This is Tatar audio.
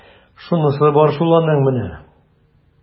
Шунысы бар шул аның менә! ..